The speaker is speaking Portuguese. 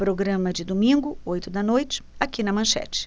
programa de domingo oito da noite aqui na manchete